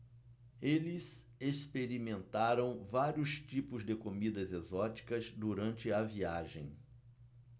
eles experimentaram vários tipos de comidas exóticas durante a viagem